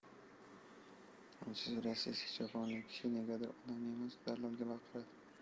qancha so'raysiz eski choponli kishi negadir onamga emas dallolga qaradi